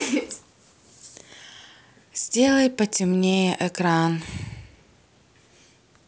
сделай потемнее экран